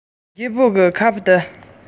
རྒན མོས རྒད པོའི སྨ ར དེར